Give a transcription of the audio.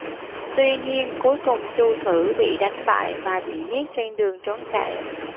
tuy nhiên cuối cùng chu thử bị đánh bại và bị giết trên đường trốn chạy